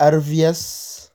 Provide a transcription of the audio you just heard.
arvs?